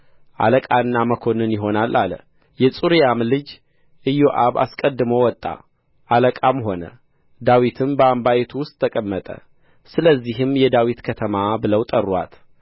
አለቃና መኰንን ይሆናል አለ የጽሩያም ልጅ ኢዮአብ አስቀድሞ ወጣ አለቃም ሆነ ዳዊትም በአምባይቱ ውስጥ ተቀመጠ ስለዚህም የዳዊት ከተማ ብለው ጠሩአት